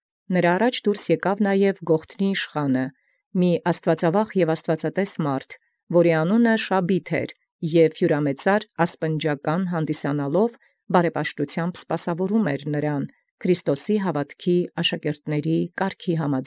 Այլ և ընդ առաջ ելանէր նմա իշխանն Գողթան, այր երկիւղած և աստուածասէր, որում անուն էր Շաբիթ, և ասպնջական հիւրամեծար գտեալ՝ բարեպաշտութեամբ սպասաւորէր ըստ աշակերտաց հաւատոցն Քրիստոսի։